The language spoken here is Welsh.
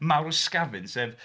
Marwysgafn sef...